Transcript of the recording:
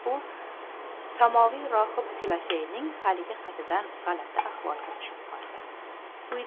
u samoviy rohib filofeyning haligi xatidan g'alati ahvolga tushib qolgan edi